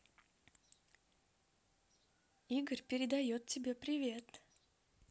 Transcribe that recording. игорь передает тебе привет